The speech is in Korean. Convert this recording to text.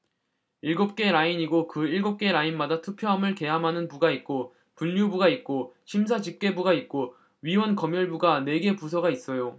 일곱 개 라인이고 그 일곱 개 라인마다 투표함을 개함하는 부가 있고 분류부가 있고 심사집계부가 있고 위원검열부가 네 개 부서가 있어요